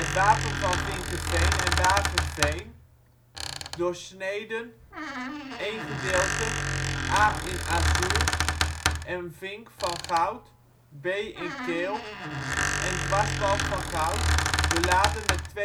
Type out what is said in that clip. wapen van Vinkeveen en Waverveen: " Doorsneden: I gedeeld: a in azuur een vink van goud, b in keel en dwarsbalk van goud, beladen met